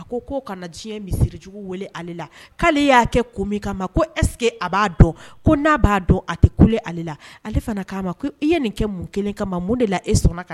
Ajugu'ale'aseke a b' dɔn ko n'a b'a dɔn a tɛ kule ale la ale fana'a ma e ye nin kɛ mun kelen kama ma mun de la e sɔnna